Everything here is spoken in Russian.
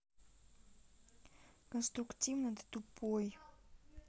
конструктивно ты тупой